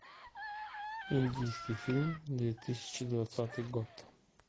индийский фильм две тысячи двадцатый год